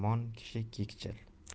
yomon kishi kekchil